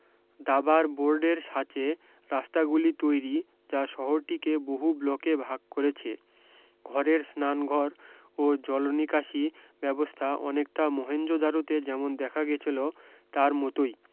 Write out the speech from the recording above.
দাবার বোরডের ছাচে রাস্তাগুলি তৈরী যা শহরটিকে বহু ব্লকে ভাগ করেছে ঘরের স্নানঘর ও জলনিকাশি ব্যবস্থা অনেকটা মহেঞ্জোদারোতে যেমন দেখা গেছল তার মতোই